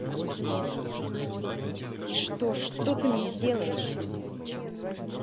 и что что ты мне сделаешь